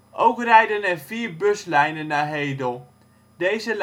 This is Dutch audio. Ook rijden er vier buslijnen naar Hedel. Deze